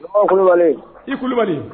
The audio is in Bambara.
Kulubali kulubali